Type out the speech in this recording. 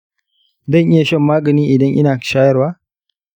dan iya shan magani idan ina shayarwa